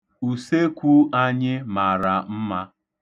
Usekwu anyị mara mma.